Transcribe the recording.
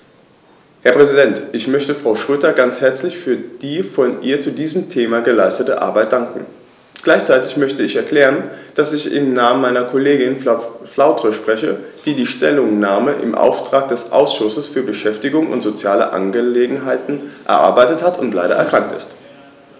Herr Präsident, ich möchte Frau Schroedter ganz herzlich für die von ihr zu diesem Thema geleistete Arbeit danken. Gleichzeitig möchte ich erklären, dass ich im Namen meiner Kollegin Frau Flautre spreche, die die Stellungnahme im Auftrag des Ausschusses für Beschäftigung und soziale Angelegenheiten erarbeitet hat und leider erkrankt ist.